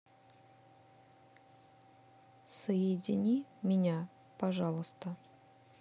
соедини меня пожалуйста